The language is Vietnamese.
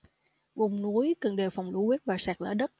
vùng núi cần đề phòng lũ quét và sạt lở đất